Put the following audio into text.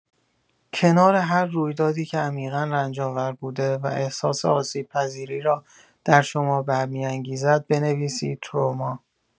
کنار هر رویدادی که عمیقا رنج‌آوربوده و احساس آسیب‌پذیری را در شما برمی‌انگیزد بنویسید تروما.